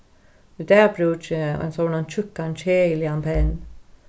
í dag brúki eg ein sovorðnan tjúkkan keðiligan penn